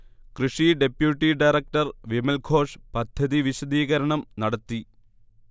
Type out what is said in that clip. കൃഷി deputy director Vimalghosh പദ്ധതി വിശദീകരണം നടത്തി